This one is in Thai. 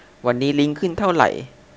วันนี้ลิ้งขึ้นเท่าไหร่